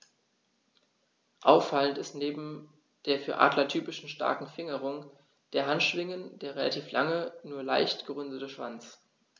Auffallend ist neben der für Adler typischen starken Fingerung der Handschwingen der relativ lange, nur leicht gerundete Schwanz.